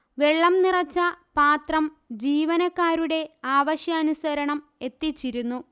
വെള്ളം നിറച്ച പാത്രം ജീവനക്കാരുടെ ആവശ്യാനുസരണം എത്തിച്ചിരുന്നു